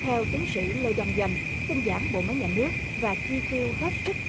theo tiến sĩ lê đăng doanh tinh giản bộ máy nhà nước và chi tiêu hết sức